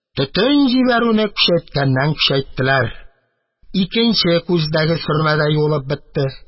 Төтен җибәрүне көчәйткәннән-көчәйттеләр, икенче күздәге сөрмә дә юылып бетте.